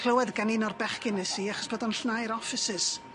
Clywed gan un o'r bechgyn nes i achos bod o'n llnau'r offices.